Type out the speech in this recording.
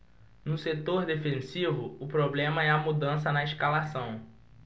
no setor defensivo o problema é a mudança na escalação